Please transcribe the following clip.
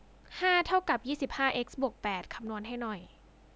ห้าเท่ากับยี่สิบห้าเอ็กซ์บวกแปดคำนวณให้หน่อย